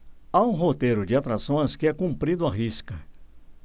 há um roteiro de atrações que é cumprido à risca